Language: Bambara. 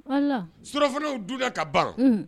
Suurɔfanaw dunda ka baro